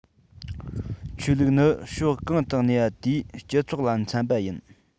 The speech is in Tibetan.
ཆོས ལུགས ནི ཕྱོགས གང དུ གནས པ དེའི སྤྱི ཚོགས ལ འཚམ པ ཡིན